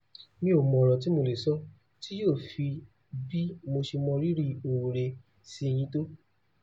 Mi ò mọ ọ̀rọ̀ tí mo lè sọ tí yóò fi bí mo ṣe mọ́ rírì oore sí yín tó.